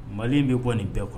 Mali in bɛ bɔ nin bɛɛ kɔnɔ